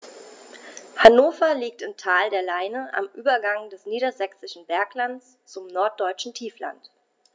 Hannover liegt im Tal der Leine am Übergang des Niedersächsischen Berglands zum Norddeutschen Tiefland.